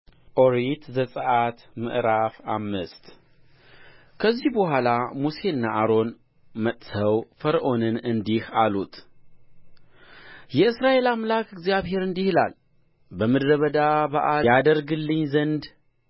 ኦሪት ዘጽአት ምዕራፍ አምስት ከዚህም በኋላ ሙሴና አሮን መጥተው ፈርዖንን እንዲህ አሉት የእስራኤል አምላክ እግዚአብሔር እንዲህ ይላል በምድረ በዳ በዓል ያደርግልኝ ዘንድ